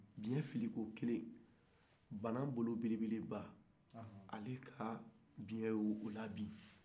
biɲɛ filikokelen bana bolo belebeleba ale ka biɲɛ y'o labin